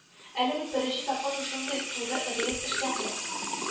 Әле бит беренче тапкыр шушындый туры рейс эшләнде